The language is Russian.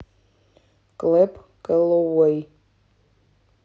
кэб кэллоуэй